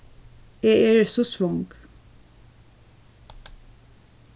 eg eri so svong